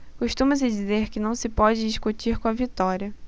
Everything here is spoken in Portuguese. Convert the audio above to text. costuma-se dizer que não se pode discutir com a vitória